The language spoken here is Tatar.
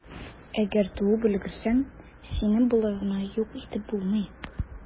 Әгәр туып өлгерсәң, сине болай гына юк итеп булмый.